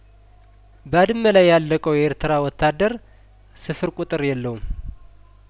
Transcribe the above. ባድመ ላይ ያለቀው የኤርትራ ወታደር ስፍር ቁጥር የለውም